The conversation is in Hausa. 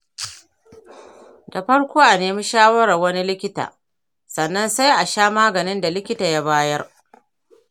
da farko a nemi shawarar wani likita sannan sai a sha maganin da likita ya bayar